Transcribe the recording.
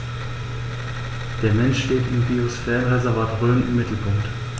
Der Mensch steht im Biosphärenreservat Rhön im Mittelpunkt.